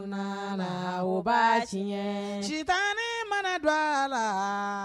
Nana baasi sitan ne mana don a la